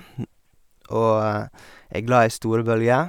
Og er glad i store bølger.